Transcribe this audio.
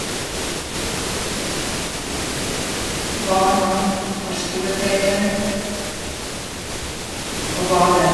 Barna har skoleferie, og bader.